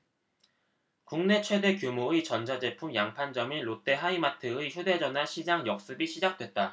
국내 최대 규모의 전자제품 양판점인 롯데하이마트의 휴대전화 시장 역습이 시작됐다